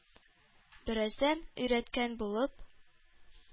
Бераздан: “Өйрәткән булып,